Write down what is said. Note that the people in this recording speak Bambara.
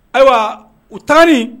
Ayiwa u taa